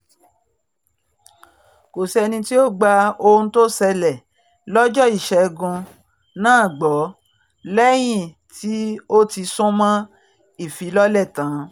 Kòsí ẹni t́i ó̀ gba ohun tó ́ṣẹlẹ̀ lọ́jọ́ Ìṣẹ́gun naa gbọ́, lẹyìn ti oti súnmọ́ ìfilọ́lẹ̀ taǹ.